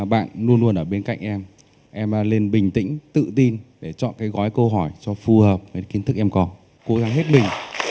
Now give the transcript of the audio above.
bạn luôn luôn ở bên cạnh em em nên bình tĩnh tự tin để chọn cái gói câu hỏi cho phù hợp với kiến thức em có cố gắng hết mình